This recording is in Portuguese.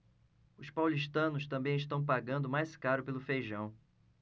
os paulistanos também estão pagando mais caro pelo feijão